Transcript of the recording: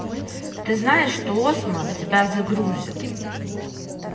ты знаешь что осман тебя загрузит